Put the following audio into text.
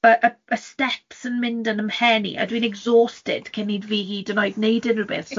Y- y- y steps yn mynd yn ym mhen i, a dwi'n exhausted cyn iddi fi hyd yn oed wneud unrhyw beth,